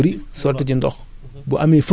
dama ciy sotti ndox di ko arroser